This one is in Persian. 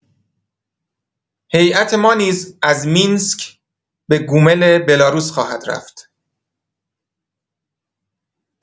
هیئت ما نیز از مینسک به گومل بلاروس خواهد رفت.